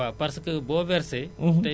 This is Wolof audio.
mais lii nag lu bees la